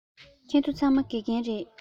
ཁྱེད ཚོ ཚང མ དགེ རྒན རེད